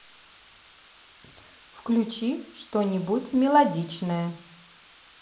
включи что нибудь мелодичное